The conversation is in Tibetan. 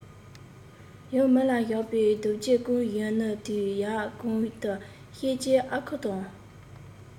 ཡང མི ལ བཞད པ རྡོ རྗེ སྐུ གཞོན ནུའི དུས ཡབ གུང དུ གཤེགས རྗེས ཨ ཁུ དང